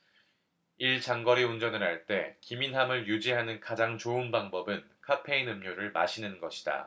일 장거리 운전을 할 때 기민함을 유지하는 가장 좋은 방법은 카페인 음료를 마시는 것이다